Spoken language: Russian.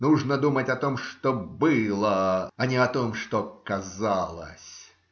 Нужно думать о том, что было, а не о том, что казалось.